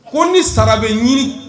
Ko ni sara bɛ ɲini